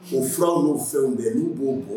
U furaw n'u fɛnw dɛ, n'u b'o bɔ